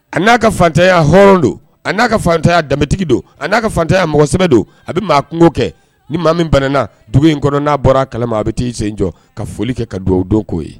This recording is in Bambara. A n'a ka fatanya hɔrɔn don a n' aa ka fantanya danbemtigi don a n'a ka fantanya mɔgɔsɛbɛ don a bɛ maa kungo kɛ ni maa min banana dugu in kɔnɔ n'a bɔra a kalama a bɛ taa i sen jɔ ka foli kɛ ka dugawu don k'o ye